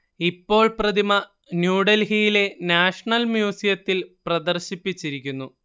ഇപ്പോൾ പ്രതിമ ന്യൂഡൽഹിയിലെ നാഷണൽ മ്യൂസിയത്തിൽ പ്രദർശിപ്പിച്ചിരിക്കുന്നു